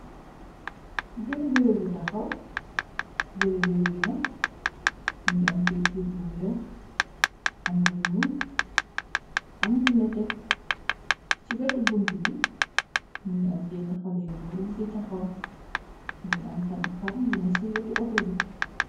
Gélegéle bu taxaw gelegele bi nak mu ngi am pentir bu wèèx am lu ñuul, am lu netteh ci wétu buntu bi mu ngi am yenen xalèh gór yu ci taxaw. Mu ngi am tamit xar yi neh ci wétu auto bi.